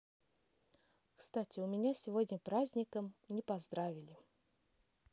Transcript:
кстати у меня сегодня праздником не поздравили